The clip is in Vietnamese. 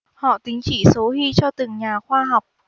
họ tính chỉ số hy cho từng nhà khoa học